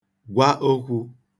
gwa okwū